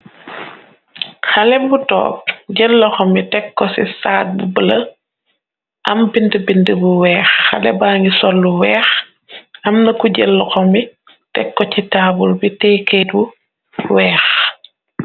Xale bu toog jëlloxo mi tek ko ci saag bu bëla am bind. Bind bu weex xale ba ngi sollu weex. Am na ku jëllxo mi tek ko ci taabul bi téekéet bu weex.